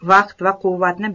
vaqt va quvvatni